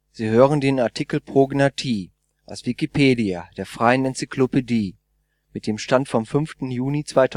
Sie hören den Artikel Prognathie, aus Wikipedia, der freien Enzyklopädie. Mit dem Stand vom Der